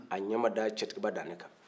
a ɲɛ ma da cɛtigiba dantɛ kan